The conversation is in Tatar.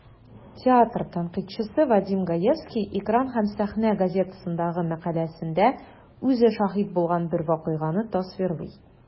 Театр тәнкыйтьчесе Вадим Гаевский "Экран һәм сәхнә" газетасындагы мәкаләсендә үзе шаһит булган бер вакыйганы тасвирлый.